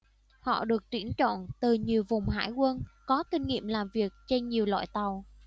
họ được tuyển chọn từ nhiều vùng hải quân có kinh nghiệm làm việc trên nhiều loại tàu